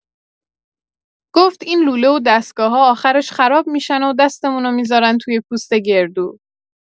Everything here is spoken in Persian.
گفت: «این لوله و دستگاه‌ها آخرش خراب می‌شن و دستمونو می‌ذارن توی پوست گردو.»